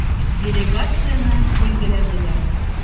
Делегацияне бүлгәләделәр.